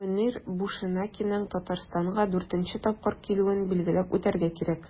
Мөнир Бушенакиның Татарстанга 4 нче тапкыр килүен билгеләп үтәргә кирәк.